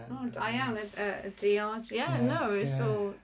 Da iawn. Y y diod. Ie, no, it was all...